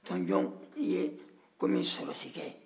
tɔnjɔn ye i n'a fɔ sɔrasikɛ